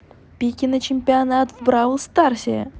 пики на чемпионат в бравл старсе